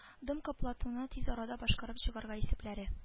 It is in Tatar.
Дым каплатуны тиз арада башкарып чыгарга исәпләре